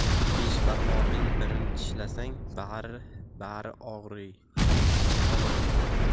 besh barmoqning birini tishlasang bari og'rir